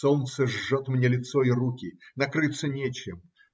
Солнце жжет мне лицо и руки. Накрыться нечем.